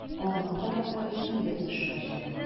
Аңа карата җинаять эше ачылган.